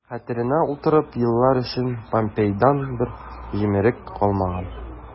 Хәтеренә утырып елар өчен помпейдан бер җимерек калмаган...